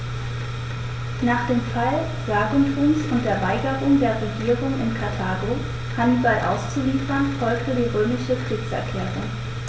Nach dem Fall Saguntums und der Weigerung der Regierung in Karthago, Hannibal auszuliefern, folgte die römische Kriegserklärung.